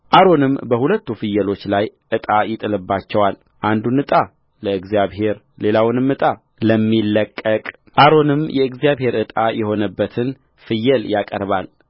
አሮንም በሁለቱ ፍየሎች ላይ ዕጣ ይጥልባቸዋል አንዱን ዕጣ ለእግዚአብሔር ሌላውንም ዕጣ ለሚለቀቅአሮንም የእግዚአብሔር ዕጣ የሆነበትን ፍየል ያቀርባል